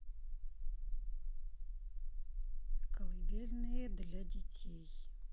колыбельные для детей